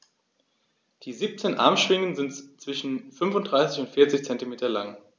Die 17 Armschwingen sind zwischen 35 und 40 cm lang.